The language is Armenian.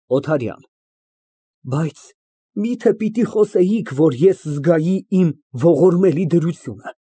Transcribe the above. ՕԹԱՐՅԱՆ ֊ Բայց մի՞թե պիտի խոսեիք, որ ես զգայի իմ ողորմելի դրությունը։